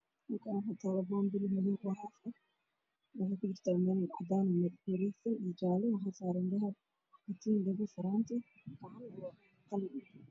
Halkaan waxaa yaalo boonbalo madow ah oo haaf ah waxaa kujiro dahab ah katiin, dhago, faraanti iyo gacan.